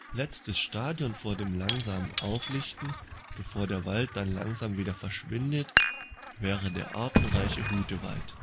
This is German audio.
Letztes Stadium vor dem langsamem Auflichten, bevor der Wald dann langsam wieder verschwindet, wäre der artenreiche Hutewald